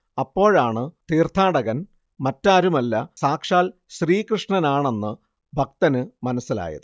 അപ്പോഴാണ് തീർത്ഥാടകൻ മറ്റാരുമല്ല സാക്ഷാൽ ശ്രീകൃഷ്ണനാണെന്ന് ഭക്തന് മനസ്സിലായത്